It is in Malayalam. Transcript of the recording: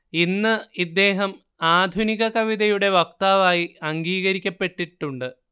ഇന്ന് ഇദ്ദേഹം ആധുനിക കവിതയുടെ വക്താവായി അംഗീകരിക്കപ്പെട്ടിട്ടുണ്ട്